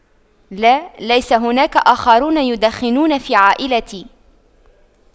لا ليس هناك آخرون يدخنون في عائلتي